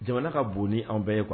Jamana ka bon ni anw bɛɛ ye kuwa